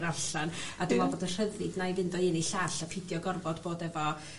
...ddarllan a dwi me'wl bod y rhyddid 'na i fynd o un i llall a pidio gorfod bod efo